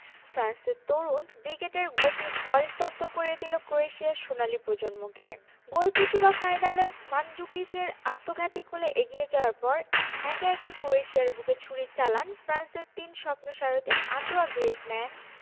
ফ্রান্সের তরুণ ব্রিগেডের গতির ঝড় স্তব্ধ করে দিল ক্রোয়েশিয়ার সোনালি প্রজন্মকে গোলপ্রসবা ফাইনালে মানজুকিচের আত্মঘাতী গোলে এগিয়ে যাওয়ার পর একে একে ক্রোয়েশিয়ার বুকে ছুরি চালান ফ্রান্সের তিন স্বপ্নসারথি আঁতোয়া গ্রিজমান